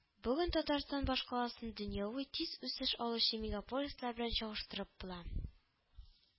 Бүген татарстан башкаласын дөньяви тиз үсеш алучы мегаполислар белән чагыштырып була